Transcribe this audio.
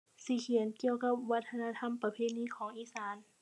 สิเขียนเกี่ยวกับวัฒนธรรมประเพณีของอีสาน